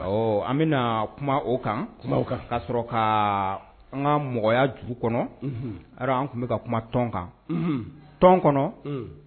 An bɛna kuma o kan kuma kan kaa sɔrɔ ka an ka mɔgɔya ju kɔnɔ an tun bɛ ka kuma tɔn kan tɔn kɔnɔ